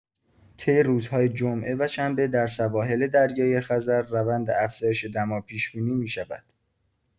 طی روزهای جمعه و شنبه در سواحل دریای‌خزر روند افزایش دما پیش‌بینی می‌شود.